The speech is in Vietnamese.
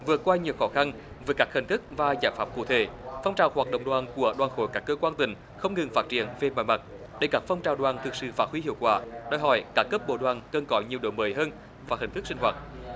vượt qua nhiều khó khăn với các hình thức và giải pháp cụ thể phong trào hoạt động đoàn của đoàn khối các cơ quan tỉnh không ngừng phát triển về mọi mặt để các phong trào đoàn thực sự phát huy hiệu quả đòi hỏi các cấp bộ đoàn cần có nhiều đổi mới hơn và hình thức sinh hoạt